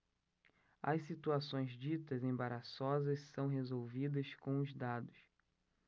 as situações ditas embaraçosas são resolvidas com os dados